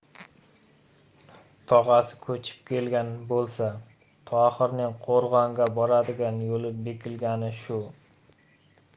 tog'asi ko'chib kelgan bo'lsa tohirning qo'rg'onga boradigan yo'li bekilgani shu